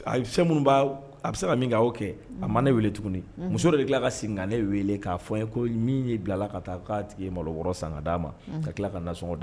A fɛn minnu b'a a bɛ se ka min kɛ , a y'o kɛ, a ma ne wele tuguni , muso de tila la ka segi ka ne weele k'a fɔ n ye ko min y'i bila la ka taa k'a tigi ye malobɔrɔ san k'a d'a ma ka tila k'a na sɔngɔ di